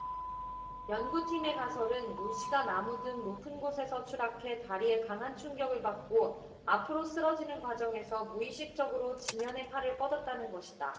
연구팀의 가설은 루시가 나무 등 높은 곳에서 추락해 다리에 강한 충격을 받고 앞으로 쓰러지는 과정에서 무의식적으로 지면에 팔을 뻗었다는 것이다